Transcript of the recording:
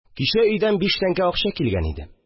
Кичә өйдән биш тәңкә акча килгән иде